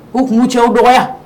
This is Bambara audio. U tun b'u cɛw o dɔgɔya